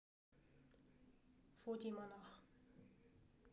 фотий монах